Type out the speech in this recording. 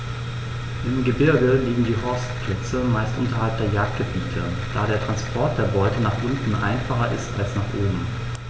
Im Gebirge liegen die Horstplätze meist unterhalb der Jagdgebiete, da der Transport der Beute nach unten einfacher ist als nach oben.